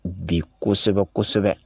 Bi kosɛbɛ kosɛbɛ